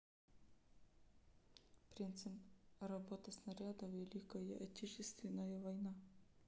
принцип работы снаряда великая отечественная война